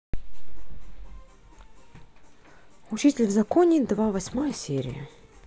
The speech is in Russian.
учитель в законе два восьмая серия